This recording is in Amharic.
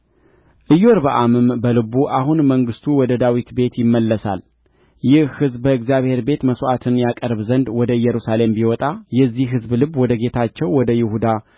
ኢዮርብዓምም በልቡ አሁን መንግሥቱ ወደ ዳዊት ቤት ይመለሳል ይህ ሕዝብ በእግዚአብሔር ቤት መሥዋዕትን ያቀርብ ዘንድ ወደ ኢየሩሳሌም ቢወጣ የዚህ ሕዝብ ልብ ወደ ጌታቸው ወደ ይሁዳ